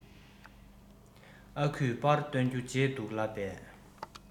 ཨ ཁུས པར བཏོན རྒྱུ བརྗེད འདུག ལབ པས